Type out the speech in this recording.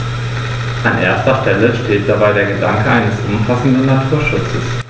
An erster Stelle steht dabei der Gedanke eines umfassenden Naturschutzes.